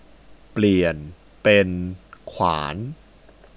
เปลี่ยนเป็นขวาน